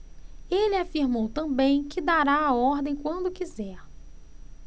ele afirmou também que dará a ordem quando quiser